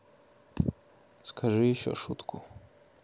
скажи еще шутку